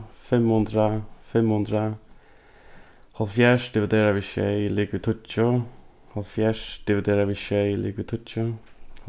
fimm hundrað fimm hundrað hálvfjerðs dividerað við sjey ligvið tíggju hálvfjerðs dividerað við sjey ligvið tíggju